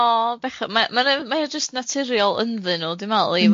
O bech- ma- ma- mauo jyst naturiol ynddyn nw dwi'n me'l i fod yn